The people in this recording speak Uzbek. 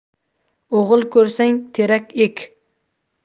o'g'il ko'rsang terak ek